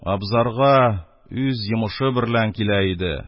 Азбарга үз йомышы берлән килә иде.